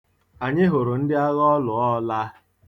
Anyị hụrụ ndị agha ọlụ̀ọọ̄lāā.̣